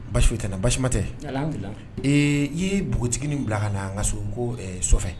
Basi tɛ basima tɛ i ye npogo bila ka na n ka so ko sofɛ